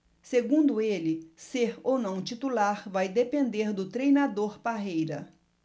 segundo ele ser ou não titular vai depender do treinador parreira